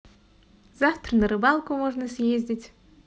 завтра на рыбалку можно съездить